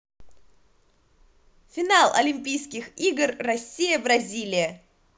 финал олимпийских игр россия бразилия